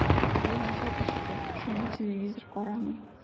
Әби начар ишетә, шуңа телевизор карамый.